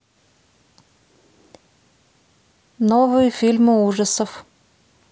новые фильмы ужасов